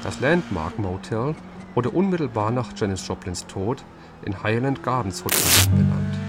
Das Landmark Motel wurde unmittelbar nach Janis Joplins Tod in Highland Gardens Hotel umbenannt